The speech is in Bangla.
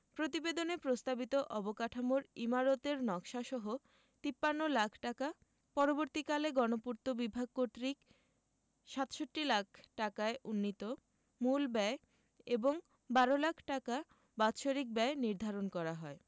প্রতিবেদনে প্রস্তাবিত অবকাঠামোর ইমারতের নকশাসহ ৫৩ লাখ টাকা পরবর্তীকালে গণপূর্ত বিভাগ কর্তৃক ৬৭ লাখ ঢাকায় উন্নীত মূল ব্যয় এবং ১২ লাখ টাকা বাৎসরিক ব্যয় নির্ধারণ করা হয়